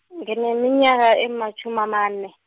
ngineminyaka amatjhumi amane.